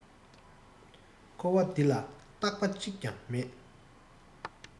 འཁོར བ འདི ལ རྟག པ གཅིག ཀྱང མེད